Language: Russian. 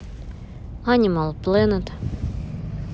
анимал плэнет